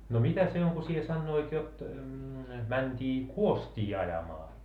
no mitä se on kun sinä sanoit jotta mentiin kuostia ajamaan